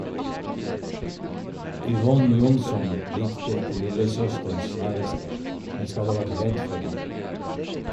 Yvonne Jonsson likte ikke lillesøsterens kjæreste, men skal ha vært redd for ham.